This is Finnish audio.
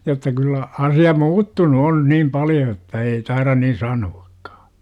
jotta kyllä asia muuttunut on niin paljon että ei taida niin sanoakaan